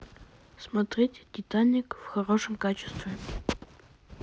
смотреть титаник в хорошем качестве